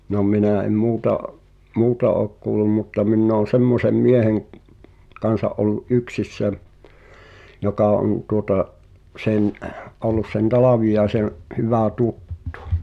no minä en muuta muuta ole kuullut mutta minä olen semmoisen miehen kanssa ollut yksissä joka on tuota sen ollut sen Talviaisen hyvä tuttu